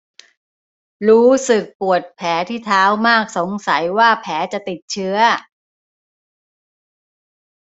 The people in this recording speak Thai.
รู้สึกปวดแผลที่เท้ามากสงสัยว่าแผลจะติดเชื้อ